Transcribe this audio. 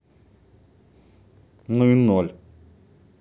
ну и ноль